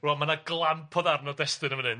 Wel, ma' na glamp o ddarn o destun yn fan 'yn...